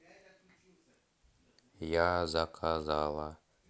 я заказала